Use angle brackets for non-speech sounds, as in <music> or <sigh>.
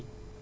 <hesitation> <hesitation>